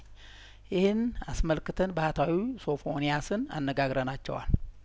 ይህን አስመልክ ተን ባህታዊ ሶፎንያስን አነጋግረናቸዋል